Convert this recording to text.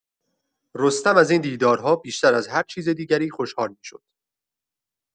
رستم از این دیدارها بیشتر از هر چیز دیگری خوشحال می‌شد.